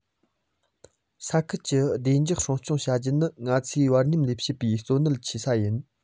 ས ཁུལ གྱི བདེ འཇགས སྲུང སྐྱོང བྱ རྒྱུ ནི ང ཚོའི བར མཉམ ལས བྱེད པའི གཙོ གནད ཆེ ས ཡིན